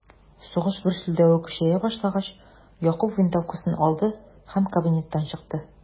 Сугыш гөрселдәве көчәя башлагач, Якуб винтовкасын алды һәм кабинеттан чыкты.